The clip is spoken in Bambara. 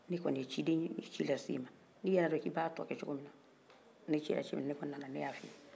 ne kɔni ye ciden ye n ye ci lase i ma n'i yɛrɛ b'a dɔn k'i b'a tɔ kɛ cogo min na ne cira min na ne kɔni nana ne y'a fɔ i ye